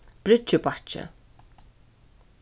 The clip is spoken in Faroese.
bryggjubakki